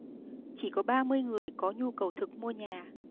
chỉ có ba mươi người có nhu cầu thực mua nhà